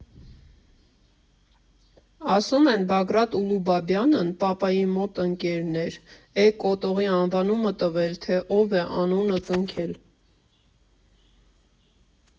Ասում են՝ Բագրատ Ուլուբաբյանն (պապայի մոտ ընկերն էր) է կոթողի անվանումը տվել, թե ով է անունը կնքել.